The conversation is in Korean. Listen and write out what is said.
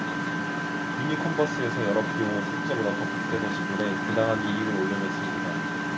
유니컨버스에 여러 비용을 실제보다 더 보태서 지불해 부당한 이익을 올려줬습니다